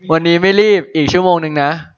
วันนี้ไม่รีบอีกชั่วโมงนะ